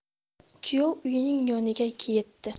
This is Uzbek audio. kuyov uyning yoniga yetdi